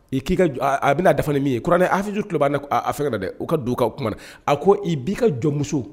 I k'i ka j aa a ben'a dafa ni min ye kuranɛ afijur tulob'an na k aa a fɛŋɛ na dɛ u ka don u kan o kuma na a ko i b'i ka jɔnmuso